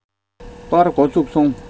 པར སྒོ ཚུགས སོང